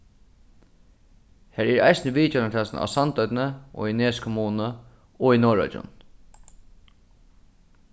har er eisini vitjanartænasta á sandoynni og í nes kommunu og í norðoyggjum